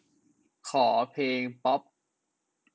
ขอเพลงป๊อป